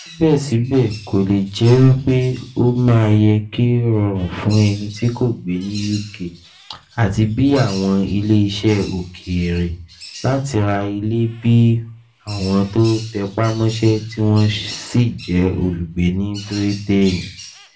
Ṣíbẹ̀síbẹ̀, kò le jẹ́ wípé ó máa yẹ kí ó rọrùn fún ẹnití kò gbé ní UK, àti bí àwọn ilé iṣẹ́ òkèèrè, láti ra ilé bí àwọn tó tẹpamọ́ṣe tí wọ̀n ṣì jẹ́ olúgbẹ ní Brítèènì.